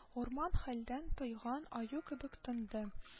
Урман хәлдән тайган аю кебек тынды